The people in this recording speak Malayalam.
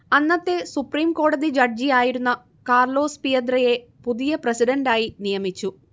അന്നത്തെ സുപ്രീം കോടതി ജഡ്ജിയായിരുന്ന കാർലോസ് പിയദ്രയെ പുതിയ പ്രസിഡന്റായി നിയമിച്ചു